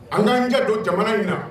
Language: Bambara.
An ka janto jamana in na.